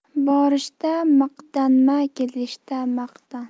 borishda maqtanma kelishda maqtan